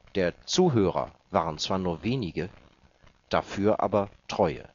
Der Zuhörer waren zwar nur wenige, dafür aber treue